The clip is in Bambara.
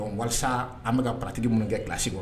Walasa an bɛka ka pa mun kɛlasi kɔ